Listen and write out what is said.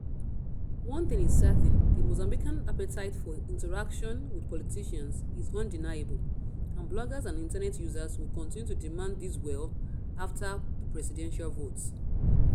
One thing is certain, the Mozambican appetite for interaction with politicians is undeniable, and bloggers and internet users will continue to demand this well after the Presidential vote.